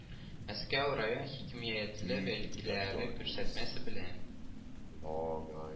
Мәскәү район хикимияте вәкилләре күрсәтмәсе белән